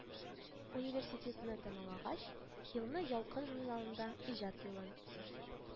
Университетны тәмамлагач, елны “Ялкын” журналында иҗат юлын